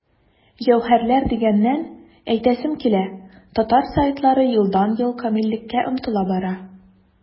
Җәүһәрләр дигәннән, әйтәсем килә, татар сайтлары елдан-ел камиллеккә омтыла бара.